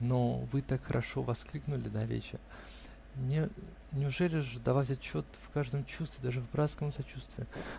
Но вы так хорошо воскликнули давеча: неужели ж давать отчет в каждом чувстве, даже в братском сочувствии!